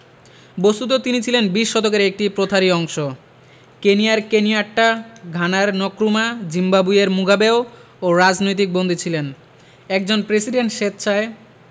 বস্তুত তিনি ছিলেন বিশ শতকের একটি প্রথারই অংশ কেনিয়ার কেনিয়াট্টা ঘানার নক্রুমা জিম্বাবুয়ের মুগাবেও রাজনৈতিক বন্দী ছিলেন একজন প্রেসিডেন্ট স্বেচ্ছায়